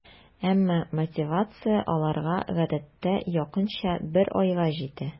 Әмма мотивация аларга гадәттә якынча бер айга җитә.